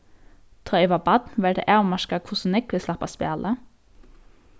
tá eg var barn var tað avmarkað hvussu nógv eg slapp at spæla